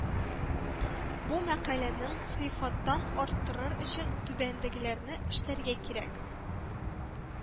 Бу мәкаләнең сыйфаттан арттырыр өчен түбәндәгеләрне эшләргә кирәк